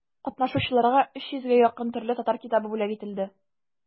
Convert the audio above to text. Катнашучыларга өч йөзгә якын төрле татар китабы бүләк ителде.